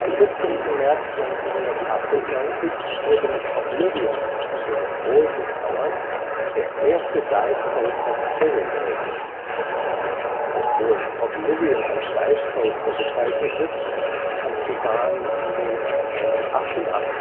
14. März 1998 wurde mit Oblivion in Alton Towers der erste Dive Coaster der Welt eröffnet. Obwohl Oblivion als Dive Coaster bezeichnet wird, hat die Bahn nur eine 88,8°